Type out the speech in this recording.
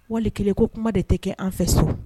Walikelen ko kuma de ti kɛ an fɛ so.